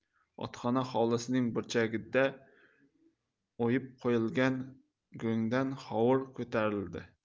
otxona hovlisining burchagiga uyib qo'yilgan go'ngdan hovur ko'tariladi